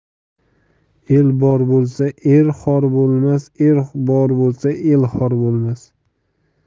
el bor bo'lsa er xor bo'lmas er bor bo'lsa el xor bo'lmas